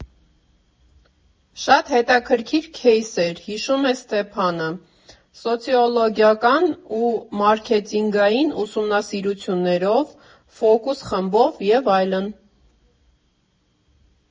Շատ հետաքրքիր քեյս էր, ֊ հիշում է Ստեփանը, ֊ սոցիոլոգիական ու մարքետինգային ուսումնասիրություններով, ֆոկուս֊խմբով և այլն։